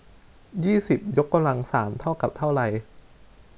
ยี่สิบยกกำลังสามเท่ากับเท่าไร